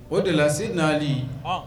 O de la Seydina Ali Ɔn!